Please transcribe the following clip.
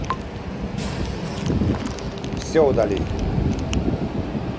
все удали